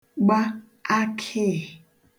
gba akịị̀